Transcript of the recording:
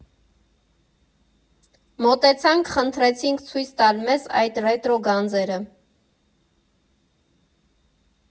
Մոտեցանք, խնդրեցինք ցույց տալ մեզ այդ ռետրո գանձերը։